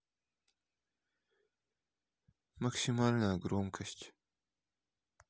максимальная громкость